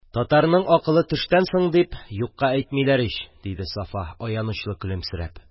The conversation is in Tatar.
– татарның акылы төштән соң, дип юкка әйтмиләр ич, – диде сафа, аянычлы көлемсерәп.